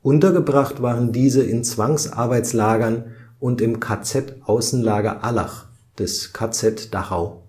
Untergebracht waren diese in Zwangsarbeitslagern und im KZ-Außenlager Allach des KZ Dachau